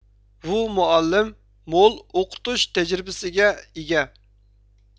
ۋۇ مۇئەللىم مول ئوقۇتۇش تەجرىبىسىگە ئىگە